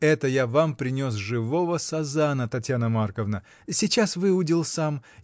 — Это я вам принес живого сазана, Татьяна Марковна: сейчас выудил сам.